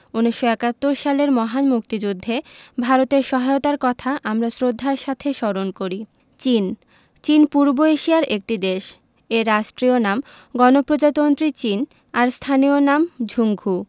১৯৭১ সালের মহান মুক্তিযুদ্ধে ভারতের সহায়তার কথা আমরা শ্রদ্ধার সাথে স্মরণ করি চীন চীন পূর্ব এশিয়ার একটি দেশ এর রাষ্ট্রীয় নাম গণপ্রজাতন্ত্রী চীন আর স্থানীয় নাম ঝুংঘু